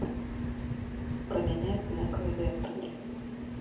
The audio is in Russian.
поменять на клавиатуре